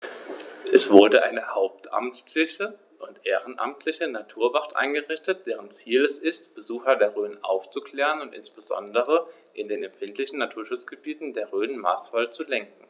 Es wurde eine hauptamtliche und ehrenamtliche Naturwacht eingerichtet, deren Ziel es ist, Besucher der Rhön aufzuklären und insbesondere in den empfindlichen Naturschutzgebieten der Rhön maßvoll zu lenken.